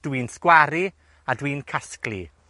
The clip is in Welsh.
Dwi'n sgwaru. a dw i'n casglu.